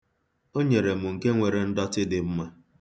O nyere m nke nwere ndọtị dị mma.